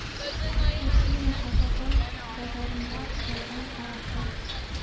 Русиянең алкоголь базарында ялган аракы